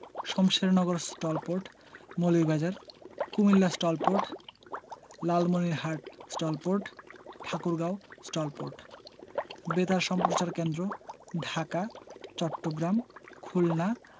Shamshernagar STOL port Moulvibazar Comilla STOL port Lalmonirhat STOL port Thakurgaon STOL port বেতার সম্প্রচার কেন্দ্রঃ ঢাকা চট্টগ্রাম খুলনা